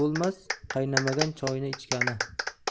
bo'lrnas qaynamagan choyni ichgani